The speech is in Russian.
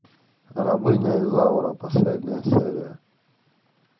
рабыня изаура последняя серия